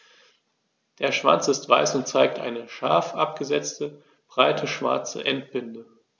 Der Schwanz ist weiß und zeigt eine scharf abgesetzte, breite schwarze Endbinde.